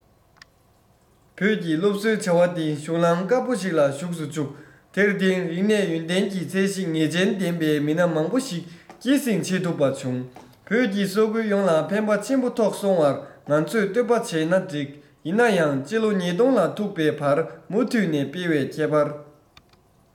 བོད ཀྱི སློབ གསོའི བྱ བ དེ གཞུང ལམ དཀར བོ ཞིག ལ ཞུགས སུ བཅུག དེར བརྟེན རིག གནས ཡོན ཏན གྱི ཚད གཞི ངེས ཅན ལྡན པའི མི སྣ མང བོ ཞིག སྐྱེད སྲིང བྱེད ཐུབ པ བྱུང བོད ཀྱི ས ཁུལ ཡོངས ལ ཕན པ ཆེན པོ ཐོགས སོང བར ང ཚོས བསྟོད པ བྱས ན འགྲིག ཡིན ན ཡང སྤྱི ལོ ཉིས སྟོང ལ ཐུག པའི བར མུ མཐུད ནས སྤེལ བའི ཁྱད པར